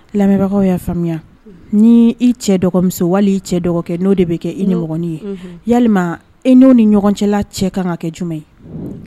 Lamɛnbagaw y'a faamuya ni i cɛ dɔgɔmuso wali i cɛ dɔgɔkɛ n'o de bɛ kɛ i niin ye ya i n'o ni ɲɔgɔn cɛla cɛ kan ka kɛ jumɛn ye